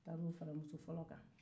a taara o fara muso fɔlɔ kan